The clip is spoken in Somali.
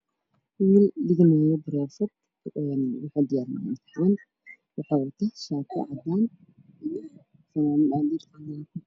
Wiil fadhiya meel wato shati cadaan ka shaqeynayo warqaddaha ka dambeeya waa guduud kursi ay ku fadhiyaa oo guduud